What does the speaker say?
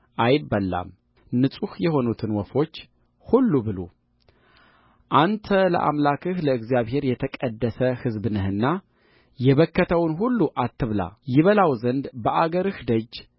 አይበላም ንጹሕ የሆኑትን ወፎች ሁሉ ብሉ አንተ ለአምላክህ ለእግዚአብሔር የተቀደሰ ሕዝብ ነህና የበከተውን ሁሉ አትብላ ይበላው ዘንድ በአገርህ ደጅ